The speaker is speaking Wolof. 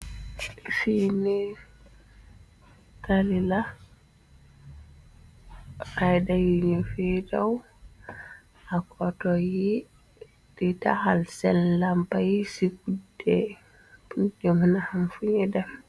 Fini talila raidayi danu fee daw ak auto yi di taxal sen lampay ci kudde pur nu munaxam fuñe dem.